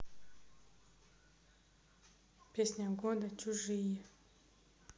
песня года чужие